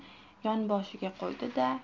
dutorni yonboshiga qo'ydi da